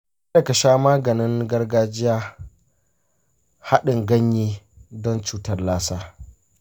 kada ka sha maganin gargajiya hadin ganye don cutar lassa.